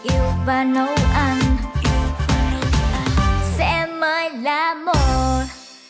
và nấu ăn sẽ mãi là một